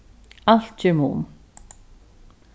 alt ger mun